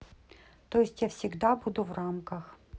то есть я всегда буду в рамках